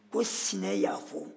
ko sinɛ y'a fɔ